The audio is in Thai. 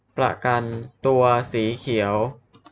ประกันตัวสีเขียว